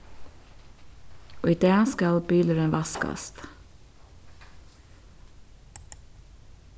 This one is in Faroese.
í dag skal bilurin vaskast